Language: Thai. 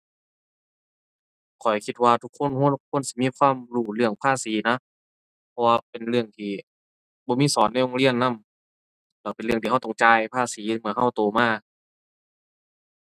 ข้อยคิดว่าทุกคนควร ควรสิมีความรู้เรื่องภาษีนะ เพราะว่าเป็นเรื่องที่บ่มีสอนในโรงเรียนนำ แล้วเป็นเรื่องที่เราต้องจ่ายภาษีเมื่อเราโตมา